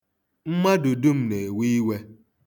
Mmadụ dum na-ewe iwe.